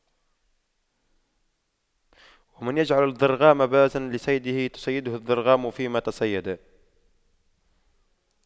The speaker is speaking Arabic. ومن يجعل الضرغام بازا لصيده تَصَيَّدَهُ الضرغام فيما تصيدا